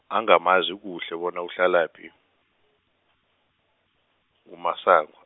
angamazi kuhle bona uhlalaphi, nguMasang- .